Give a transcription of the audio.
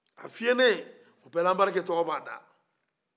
a fiiyenen o bɛ la anbarike tɔgɔ bɛ a da